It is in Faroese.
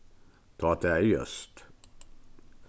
tá tað er ljóst